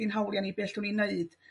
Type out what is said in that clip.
hawlia' ni be allwn ni 'neud